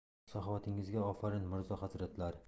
saxovatingizga ofarin mirzo hazratlari